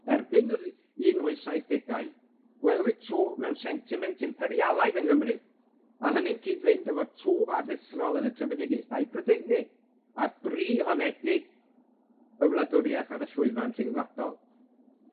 Erbyn yr u- un wyth saith degau gwelwyd twf mewn sentiment imperialaidd yng Nghymru a hynny'n cyd-fynd efo'r twf aruthrol yn y trefedigaethau Prydeinig a'r bri honedig y wladwriath ar y llwyfan rhingwladol.